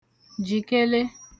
jìkele